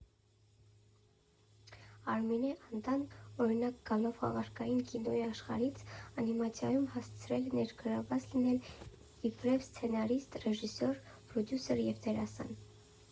Արմինե Անդան, օրինակ, գալով խաղարկային կինոյի աշխարհից, անիմացիայում հասցրել է ներգրավված լինել իբրև սցենարիստ, ռեժիսոր, պրոդյուսեր և դերասան։